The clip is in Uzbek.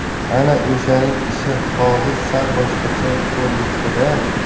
ana o'shaning ishi hozir sal boshqacha ko'rinishda da